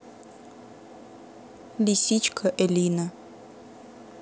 лисичка элина